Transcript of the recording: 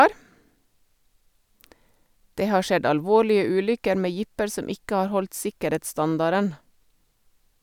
Det har skjedd alvorlige ulykker med jeeper som ikke har holdt sikkerhetsstandarden.